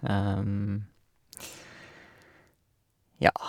Ja.